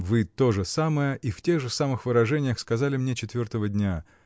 -- Вы то же самое и в тех же самых выражениях сказали мне четвертого дня.